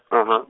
a ha.